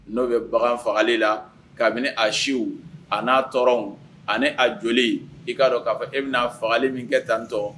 N'o bɛ bagan faga ale la kabinia a siw a n'a t ani a jolilen i'a dɔn k'a fɔ e bɛna n'a fagalen min kɛ tan n tɔ